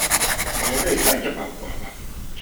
“Ba zai sake faruwa ba”